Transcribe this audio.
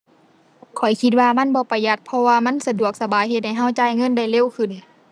ข้อยคิดว่ามันบ่ประหยัด เพราะว่ามันสะดวกสบายเฮ็ดให้เราจ่ายเงินได้เร็วขึ้น